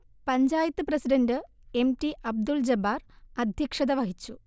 panchayat president M T Abdul Jabbar അധ്യക്ഷതവഹിച്ചു